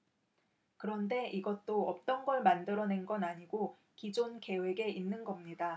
그런데 이것도 없던걸 만들어낸건 아니고 기존 계획에 있는 겁니다